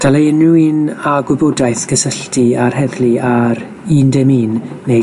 Dylai unrhyw un a gwybodaeth gysylltu â'r heddlu ar un dim un neu